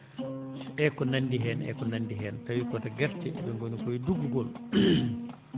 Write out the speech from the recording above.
e ko nanndi heen eko nanndi heen so tawii koto gerte ɓe ngoni koye duggugol